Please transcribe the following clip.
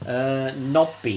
Yy, Nobby.